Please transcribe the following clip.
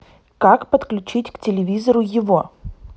как подключить к телевизору его